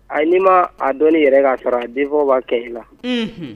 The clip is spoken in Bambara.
A' ma a dɔni yɛrɛ ka'a sara a denfaba kɛ i la